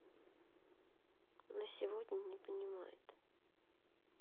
на сегодня не понимает